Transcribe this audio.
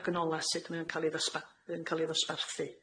ac yn ola sud mae o'n cal ei ddosba- yn cal i ddosbarthu.